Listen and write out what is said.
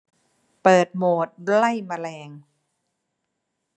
เปิดโหมดไล่แมลง